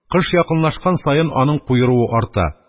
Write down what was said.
Кыш якынлашкан саен, аның куеруы арта,